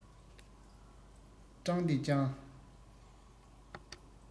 ཀྲང ཏེ ཅང